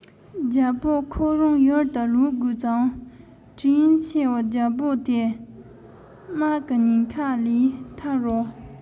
རྒྱལ པོ ཁོ རང ཡུལ དུ ལོག དགོས བྱུང དྲིན ཆེ བའི རྒྱལ པོ དེ དམག གི ཉེན ཁ ལས ཐར རོ